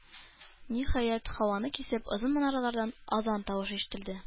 Ниһаять, һаваны кисеп озын манаралардан азан тавышы ишетелде.